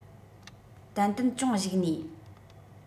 ཏན ཏན ཅུང གཞིགས ནས